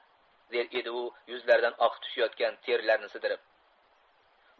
der edi u yuzlaridan oqib tushayotgan terlarni sidirib